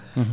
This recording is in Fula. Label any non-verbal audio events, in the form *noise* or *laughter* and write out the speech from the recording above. *hesitation* *hesitation*